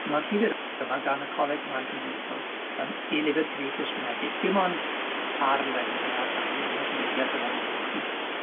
Ma'r llyfyr yma gan y Coleg Cymraeg Cenedlaethol yym e-lyfyr cyfieithu ysgrifenedig dim ond ar-lein mae ar gael yn y cyfeiriad yna, welwch chi.